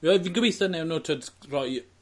Wel fi'n goitho newn n'w t'wod roi